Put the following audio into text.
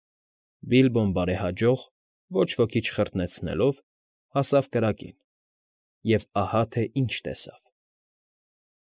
Բիլբոն բարեհաջող, ոչ ոքի չխրտնեցնելով, հասավ կրակին և ահա թե ինչ տեսավ։